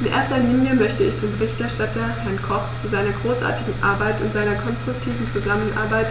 In erster Linie möchte ich den Berichterstatter, Herrn Koch, zu seiner großartigen Arbeit und seiner konstruktiven Zusammenarbeit